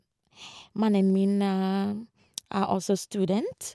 Mannen min er også student.